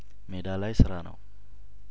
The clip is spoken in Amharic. ሜዳ ላይ ስራ ነው